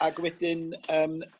ag wedyn yn